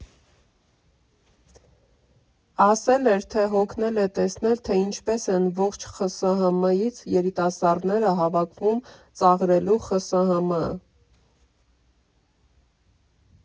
Ասել էր, թե հոգնել է տեսնել, թե ինչպես են ողջ ԽՍՀՄ֊ից երիտասարդները հավաքվում ծաղրելու ԽՍՀՄ֊ը»։